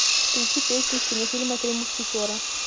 включи песню из кинофильма три мушкетера